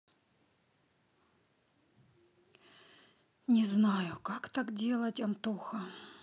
не знаю как так делать антоха